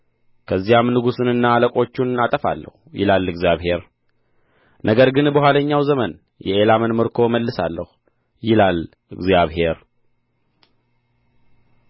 ከዚያም ንጉሡንና አለቆቹን አጠፋለሁ ይላል እግዚአብሔር ነገር ግን በኋለኛው ዘመን የኤላምን ምርኮ እመልሳለሁ ይላል እግዚአብሔር